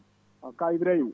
kaw Ibrahima